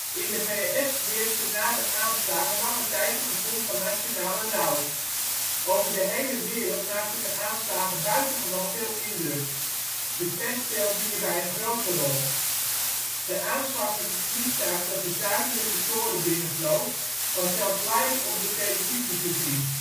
In de VS heerste na de aanslagen lange tijd een gevoel van nationale rouw. Over de hele wereld maakten de aanslagen buitengewoon veel indruk. De pers speelde hierbij een grote rol. De aanslag met het vliegtuig dat de zuidelijke toren binnenvloog, was zelfs live op de televisie te zien